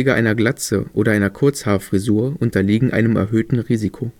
einer Glatze oder einer Kurzhaarfrisur unterliegen einem erhöhten Risiko